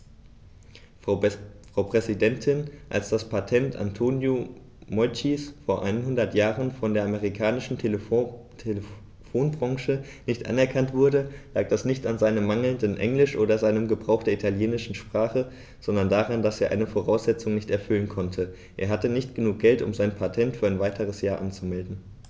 Frau Präsidentin, als das Patent Antonio Meuccis vor einhundert Jahren von der amerikanischen Telefonbranche nicht anerkannt wurde, lag das nicht an seinem mangelnden Englisch oder seinem Gebrauch der italienischen Sprache, sondern daran, dass er eine Voraussetzung nicht erfüllen konnte: Er hatte nicht genug Geld, um sein Patent für ein weiteres Jahr anzumelden.